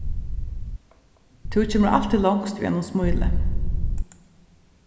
tú kemur altíð longst við einum smíli